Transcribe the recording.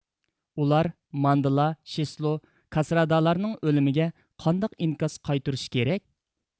ئۇلار ماندېلا شېسلو كاسرادالارنىڭ ئۆلۈمىگە قانداق ئىنكاس قايتۇرۇشى كېرەك